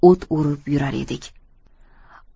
o't o'rib yurar edik